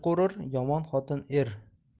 qo'rir yomon xotin er